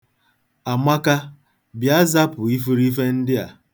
Amaka, bịa zapụ ifirife ndị a.